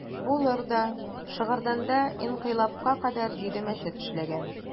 Булыр да, Шыгырданда инкыйлабка кадәр җиде мәчет эшләгән.